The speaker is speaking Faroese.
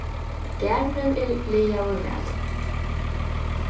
garðurin er lagaður væl